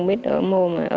bịt ở mồm